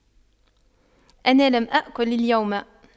أنا لم آكل يوم